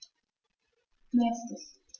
Nächstes.